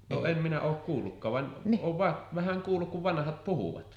no en minä ole kuullutkaan vaan olen vain vähän kuullut kun vanhat puhuivat